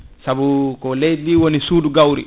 saabu ko leydi ndi woni suudu gawri